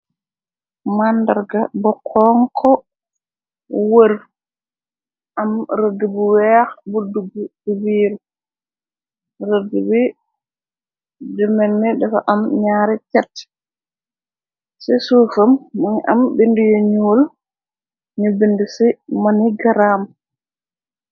Màndarga bu xonxu wër am rëdd bu wèèx bu dugu ci biir rëdd bi lu melni dafa am ñaari cet ci suufam mugii am bindé yu ñuul ñu bindé ci Money Gram.